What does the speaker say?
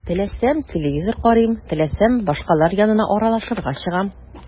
Теләсәм – телевизор карыйм, теләсәм – башкалар янына аралашырга чыгам.